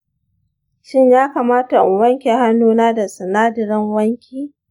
shin ya kamata in wanke hannuna da sinadarin wanki?